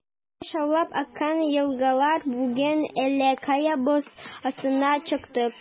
Кичә шаулап аккан елгалар бүген әллә кая, боз астына качты.